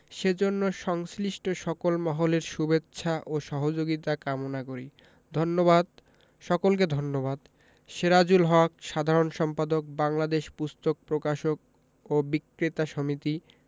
সেজন্য সংশ্লিষ্ট সকল মহলের শুভেচ্ছা ও সহযোগিতা কামনা করি ধন্যবাদ সকলকে ধন্যবাদ সেরাজুল হক সাধারণ সম্পাদক বাংলাদেশ পুস্তক প্রকাশক ও বিক্রেতা সমিতি